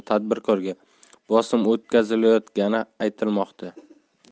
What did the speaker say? qo'ygan tadbirkorga bosim o'tkazilayotgani aytilmoqda